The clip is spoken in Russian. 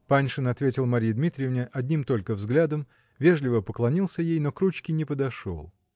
Паншин ответил Марье Дмитриевне одним только взглядом, вежливо поклонился ей, но к ручке не подошел.